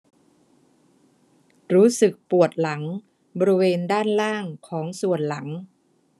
รู้สึกปวดหลังบริเวณด้านล่างของส่วนหลัง